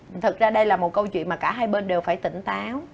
thật ra đây là một câu chuyện mà cả hai bên đều phải tỉnh táo